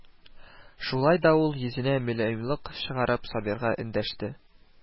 Шулай да ул, йөзенә мөлаемлык чыгарып, Сабирга эндәште: